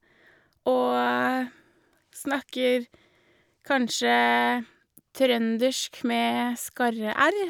Og snakker kanskje trøndersk med skarre-r.